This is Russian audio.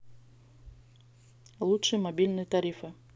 лучшие мобильные тарифы